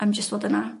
Am jyst fod yna.